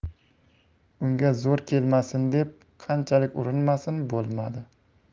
unga zo'r kelmasin deb qanchalik urinmasin bo'lmadi